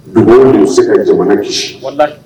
Dugu ninnu se ka jamana gosi